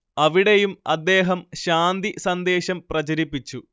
അവിടെയും അദ്ദേഹം ശാന്തി സന്ദേശം പ്രചരിപ്പിച്ചു